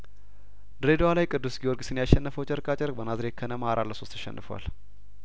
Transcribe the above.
ድሬዳዋ ላይ ቅዱስ ጊዮርጊስን ያሸነፈው ጨርቃ ጨርቅ በናዝሬት ከነማ አራት ለሶስት ተሸንፏል